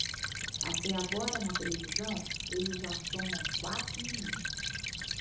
até agora na televisão eles já somam quatro ministros